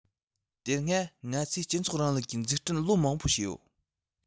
དེ སྔ ང ཚོས སྤྱི ཚོགས རིང ལུགས ཀྱི འཛུགས སྐྲུན ལོ མང པོ བྱས ཡོད